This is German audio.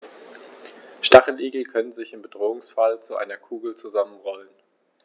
Stacheligel können sich im Bedrohungsfall zu einer Kugel zusammenrollen.